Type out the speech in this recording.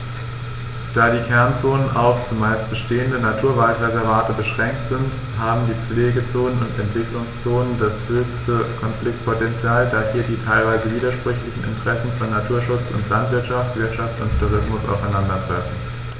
Da die Kernzonen auf – zumeist bestehende – Naturwaldreservate beschränkt sind, haben die Pflegezonen und Entwicklungszonen das höchste Konfliktpotential, da hier die teilweise widersprüchlichen Interessen von Naturschutz und Landwirtschaft, Wirtschaft und Tourismus aufeinandertreffen.